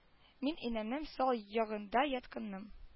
Мин инәмнең сул ягында ятканым